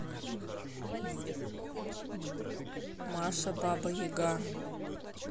маша баба яга